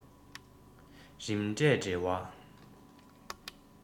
རིམ གྲས འབྲེལ བ